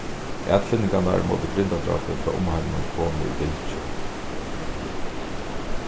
atfinningarnar móti grindadrápi frá umheiminum koma í bylgjum